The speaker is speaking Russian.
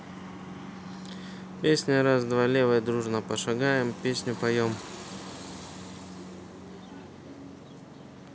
песня раз два левой дружно шагаем песню поем